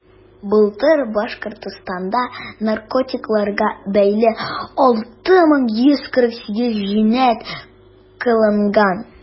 Былтыр Башкортстанда наркотикларга бәйле 6148 җинаять кылынган.